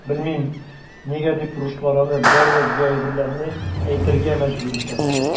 Белмим, нигә дип руслар аны барлык бу әйберләрне әйтергә мәҗбүр итәләр.